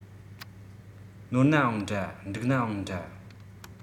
ནོར ནའང འདྲ འགྲིག ནའང འདྲ